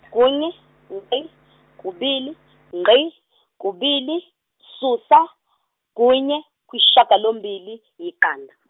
kunye, ngqi, kubili, ngqi, kubili, susa, kunye, kuyishagalombili, yiqanda.